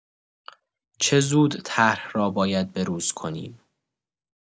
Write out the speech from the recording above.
چه زود طرح را باید به‌روز کنیم.